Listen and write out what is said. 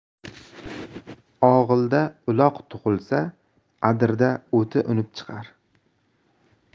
og'ilda uloq tug'ilsa adirda o'ti unib chiqar